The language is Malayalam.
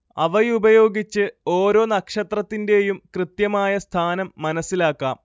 അവയുപയോഗിച്ച് ഒരോ നക്ഷത്രത്തിന്റെയും കൃത്യമായ സ്ഥാനം മനസ്സിലാക്കാം